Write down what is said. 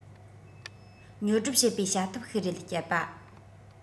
ཉོ སྒྲུབ བྱེད པའི བྱ ཐབས ཤིག རེད སྤྱད པ